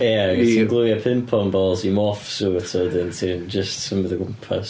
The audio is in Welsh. Ia, pan ti'n glwio ping-pong balls i morph suit a wedyn ti jyst yn symud o gwmpas.